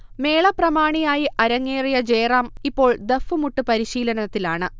മേള പ്രമാണിയായി അരങ്ങേറിയ ജയറാം ഇപ്പോൾ ദഫ്മുട്ട് പരിശിലനത്തിലാണ്